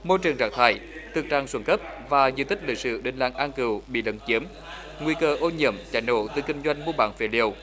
môi trường rác thải thực trạng xuống cấp và di tích lịch sử đình làng an cựu bị lấn chiếm nguy cơ ô nhiễm cháy nổ tới kinh doanh mua bán phế liệu